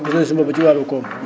gis nañu suñu bopp si wàllum koom